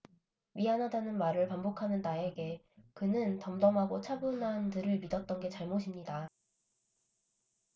미안하다는 말을 반복하는 나에게 그는 덤덤하고 차분한 들을 믿었던 게 잘못입니다